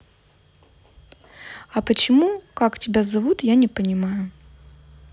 а почему как тебя зовут я не понимаю